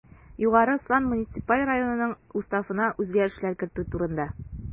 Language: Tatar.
Югары Ослан муниципаль районынның Уставына үзгәрешләр кертү турында